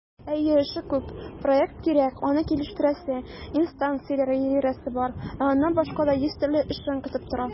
Әйе, эше күп - проект кирәк, аны килештерәсе, инстанцияләргә йөгерәсе бар, ә аннан башка да йөз төрле эшең көтеп тора.